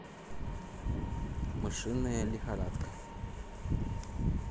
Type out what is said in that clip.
мышиная лихорадка